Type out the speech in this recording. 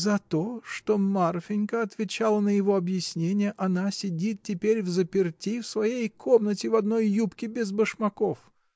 — За то, что Марфинька отвечала на его объяснение, она сидит теперь взаперти в своей комнате в одной юбке, без башмаков!